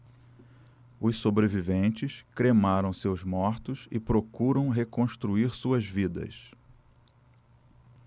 os sobreviventes cremaram seus mortos e procuram reconstruir suas vidas